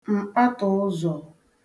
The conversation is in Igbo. m̀kpatụ̀ụzọ̀